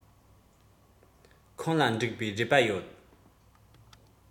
ཁོང ལ འགྲིག པའི རུས པ ཡོད